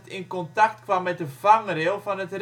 kwam met de vangrail van het racecircuit